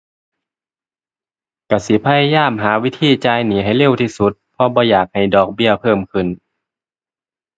ก็สิพยายามหาวิธีจ่ายหนี้ให้เร็วที่สุด เพราะบ่อยากให้ดอกเบี้ยเพิ่มขึ้น